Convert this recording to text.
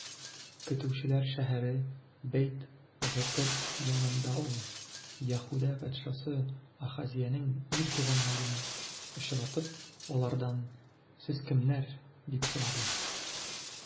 Көтүчеләр шәһәре Бәйт-Гыкыд янында ул, Яһүдә патшасы Ахазеянең ир туганнарын очратып, алардан: сез кемнәр? - дип сорады.